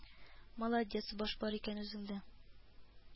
Молодец, баш бар икән үзеңдә